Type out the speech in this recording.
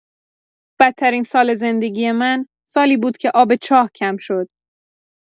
بدترین سال زندگی من، سالی بود که آب چاه کم شد.